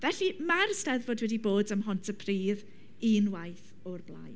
Felly, mae'r Eisteddfod wedi bod ym Mhontypridd unwaith o'r blaen.